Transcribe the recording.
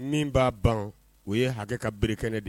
Min ba ban, o ye hakɛ ka berekɛnɛ de ye.